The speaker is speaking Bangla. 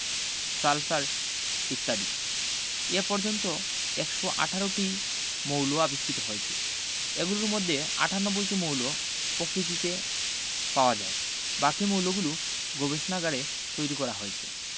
সালফার ইত্যাদি এ পর্যন্ত উ১১৮ টি মৌল আবিষ্কৃত হয়েছে এগুলোর মধ্যে 98টি মৌল পকৃতিতে পাওয়া যায় বাকি মৌলগুলো গবেষণাগারে তৈরি করা হয়েছে